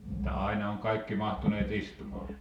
että aina on kaikki mahtuneet istumaan